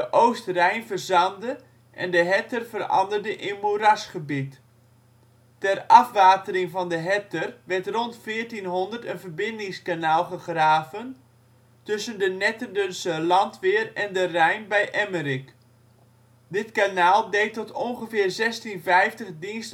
Oost-Rijn verzandde en de Hetter veranderde in moerasgebied. Ter afwatering van de Hetter werd rond 1400 een verbindingskanaal gegraven tussen de Netterdense landweer en de Rijn bij Emmerik. Dit kanaal deed tot ongeveer 1650 dienst als scheepvaartverbinding